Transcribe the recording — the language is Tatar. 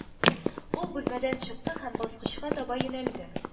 Ул бүлмәдән чыкты һәм баскычка таба юнәлде